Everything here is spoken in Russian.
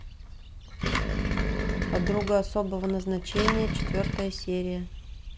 подруга особого назначения четвертая серия